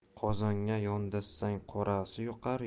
qozonga yondashsang qorasi yuqar